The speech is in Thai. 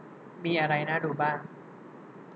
มีอะไรน่าดูบ้าง